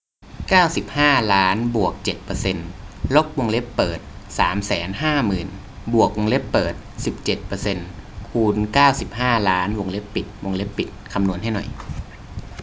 เก้าสิบห้าล้านบวกเจ็ดเปอร์เซนต์ลบวงเล็บเปิดสามแสนห้าหมื่นบวกวงเล็บเปิดสิบเจ็ดเปอร์เซนต์คูณเก้าสิบห้าล้านวงเล็บปิดวงเล็บปิดคำนวณให้หน่อย